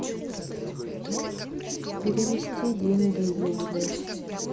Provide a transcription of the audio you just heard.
перевести деньги юле